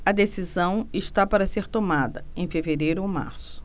a decisão está para ser tomada em fevereiro ou março